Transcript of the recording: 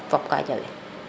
fop ka jawel